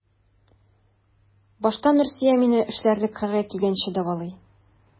Башта Нурсөя мине эшләрлек хәлгә килгәнче дәвалый.